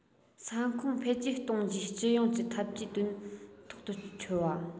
ས ཁོངས འཕེལ རྒྱས གཏོང རྒྱུའི སྤྱི ཡོངས ཀྱི འཐབ ཇུས དོན ཐོག ཏུ འཁྱོལ བ